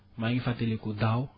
maa ngi fàttaliku daaw